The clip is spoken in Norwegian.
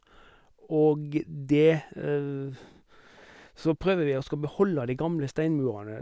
Og det så prøver vi og skal beholde de gamle steinmurene.